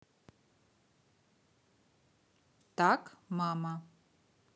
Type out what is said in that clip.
так мама